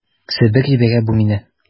Себер җибәрә бу мине...